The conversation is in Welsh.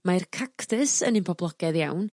Mae'r cactus yn un poblogaidd iawn